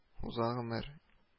Уза гомер